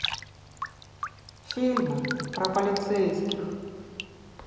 фильмы про полицейских